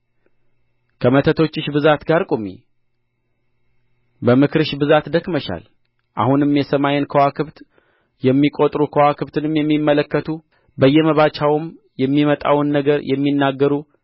ከመተቶችሽ ብዛት ጋር ቁሚ በምክርሽ ብዛት ደክመሻል አሁንም የሰማይን ከዋክብት የሚቈጥሩ ከዋክብትንም የሚመለከቱ በየመባቻውም የሚመጣውን ነገር የሚናገሩ